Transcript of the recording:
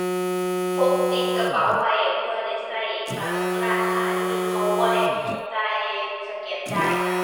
พกติดกระเป๋าไว้ เผื่อได้ใช้บางร้านค้าที่เขาบ่ได้ให้จ่าย สแกนจ่ายน่ะ